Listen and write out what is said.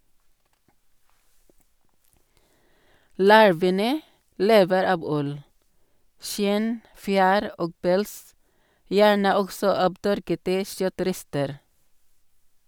Larvene lever av ull, skinn, fjær og pels, gjerne også av tørkete kjøttrester.